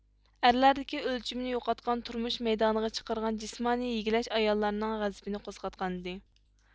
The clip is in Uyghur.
ئەرلەردىكى ئۆلچىمىنى يوقاتقان تۇرمۇش مەيدانغا چىقارغان جىسمانىي يىگلەش ئاياللارنىڭ غەزىپىنى قوزغاتقانىدى